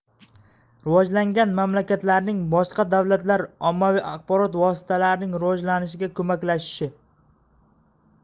rivojlangan mamlakatlarning boshqa davlatlar ommaviy axborot vositalarining rivojlanishiga ko'maklashishi